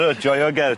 Ydw joio'r gerdd.